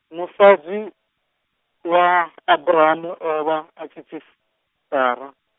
musadzi, wa Aburahamu o vha a tshi pfi, Sara.